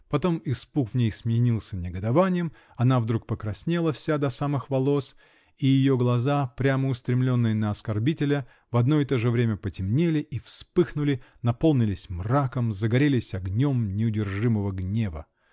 потом испуг в ней сменился негодованием, она вдруг покраснела вся, до самых волос -- и ее глаза, прямо устремленные на оскорбителя, в одно и то же время потемнели и вспыхнули, наполнились мраком, загорелись огнем неудержимого гнева.